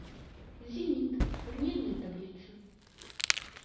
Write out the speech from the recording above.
зенит турнирная таблица